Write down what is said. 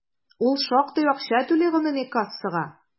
Ул шактый акча түли гомуми кассага.